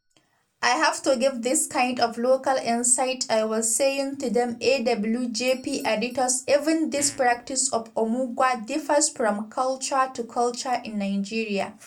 “I have to give these kinds of local insights … I was saying to them [AWJP editors] even this practice of omugwo differs from culture to culture in Nigeria.